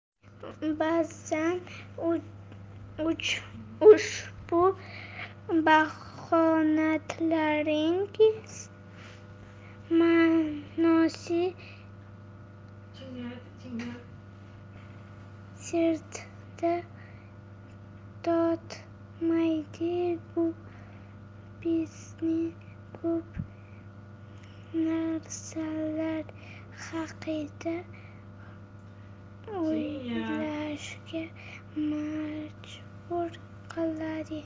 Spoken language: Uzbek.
ba'zan ushbu bayonotlarning ma'nosi sirtda yotmaydi bu bizni ko'p narsalar haqida o'ylashga majbur qiladi